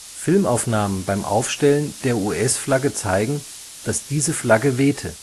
Filmaufnahmen beim Aufstellen der US-Flagge zeigen, dass diese Flagge wehte